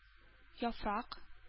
Яфрак